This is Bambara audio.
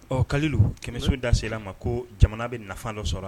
Ɔ kalu kɛmɛso da se ma ko jamana bɛ nafa dɔ sɔrɔ